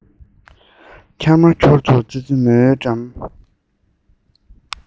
ཁྱར མ ཁྱོར དུ ཙི ཙི མོའི